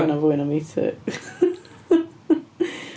Ma hwnna'n fwy na metr. .